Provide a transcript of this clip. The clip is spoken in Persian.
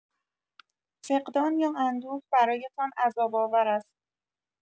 فقدان یا اندوه برایتان عذاب‌آور است.